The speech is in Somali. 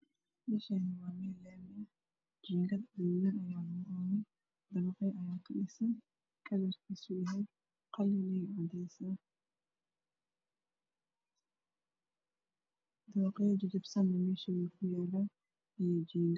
Meeshaani waa meel laami ah jiigad guduunan ayaa lagu dhisay kalarkisa yahay qalin iyo cadays ah dabaqyo jajabsan meesha ku yaala iyo jiingad